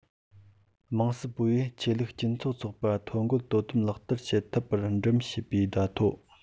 དམངས སྲིད པུའུ ཡིས ཆོས ལུགས སྤྱི ཚོགས ཚོགས པ ཐོ འགོད དོ དམ ལག བསྟར བྱེད ཐབས པར འགྲེམ བྱེད པའི བརྡ ཡིག